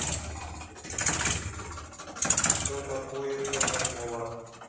что такое казакова